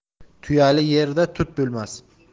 tuyali yerda tut bo'lmas